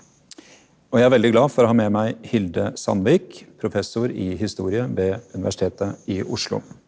og jeg er veldig glad for å ha med meg Hilde Sandvik professor i historie ved Universitetet i Oslo.